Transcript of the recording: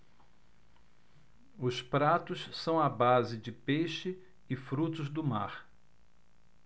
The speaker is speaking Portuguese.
os pratos são à base de peixe e frutos do mar